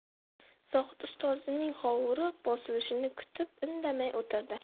zohid ustozining hovuri bosilishini kutib indamay o'tirdi